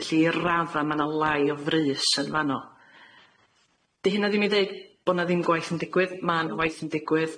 Felly i'r radda ma' na lai o frys yn fano. 'di hynna ddim yn deud bo' na ddim gwaith yn digwydd ma'n waith yn digwydd.